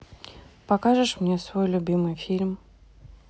покажешь мне свой любимый фильм